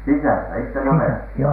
sisässä itse navetassa